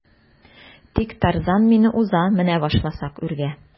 Тик Тарзан мине уза менә башласак үргә.